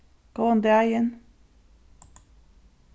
góðan dagin